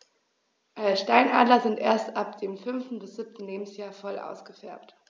Steinadler sind erst ab dem 5. bis 7. Lebensjahr voll ausgefärbt.